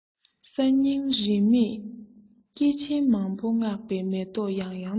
གསར རྙིང རིས མེད སྐྱེས ཆེན མང པོས བསྔགས པའི མེ ཏོག ཡང ཡང གཏོར